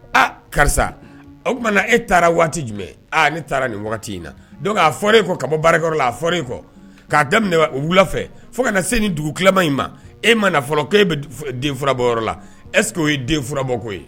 Aa karisa o tumana e taara waati jumɛn ne taara nin waati in na' a fɔra e kɔ ka bɔ baarayɔrɔ la aɔr kɔ k'a daminɛ wula fɛ fo kana na se ni dugu kima in ma e ma fɔlɔ ko e bɛ den furaurabɔyɔrɔ la esekeo ye den furabɔko ye